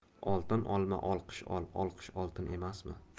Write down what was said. oltin olma olqish ol olqish oltin emasmi